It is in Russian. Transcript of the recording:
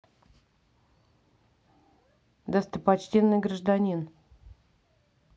достопочтенный гражданин